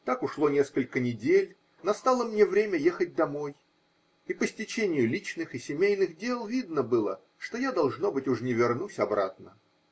Так ушло несколько недель, настало мне время ехать домой, и по стечению личных и семейных дел видно было, что я, должно быть, уж не вернусь обратно.